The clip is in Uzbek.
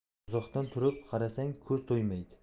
uzoqdan turib qarasang ko'z to'ymaydi